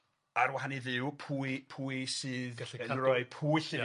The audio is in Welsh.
ar wahân i Dduw, pwy pwy sydd gallu yn rhoi pwyll i fi.